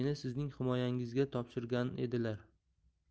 sizning himoyangizga topshirgan edilar